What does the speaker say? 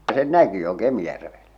sen näki jo Kemijärvellä